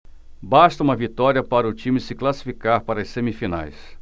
basta uma vitória para o time se classificar para as semifinais